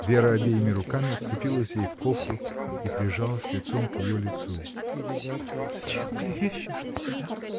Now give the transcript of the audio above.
Вера обеими руками вцепилась ей в кофту и прижалась лицом к ее лицу. — Зачем клевещешь на себя?